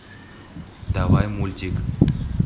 давай мультик